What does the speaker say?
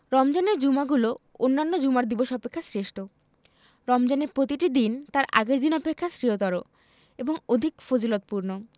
রমজানের জুমাগুলো অন্যান্য জুমার দিবস অপেক্ষা শ্রেষ্ঠ রমজানের প্রতিটি দিন তার আগের দিন অপেক্ষা শ্রেয়তর এবং অধিক ফজিলতপূর্ণ